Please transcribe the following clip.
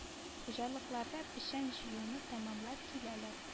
Хуҗалыкларда печән җыюны тәмамлап киләләр